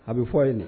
A be fɔ a ye na